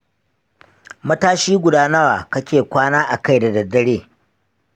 matashi guda nawa kake kwana a kai da daddare?